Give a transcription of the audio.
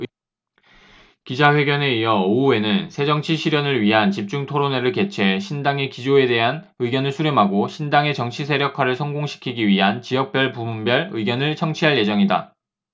기자회견에 이어 오후에는 새정치 실현을 위한 집중 토론회를 개최 신당의 기조에 대한 의견을 수렴하고 신당의 정치 세력화를 성공시키기 위한 지역별 부문별 의견을 청취할 예정이다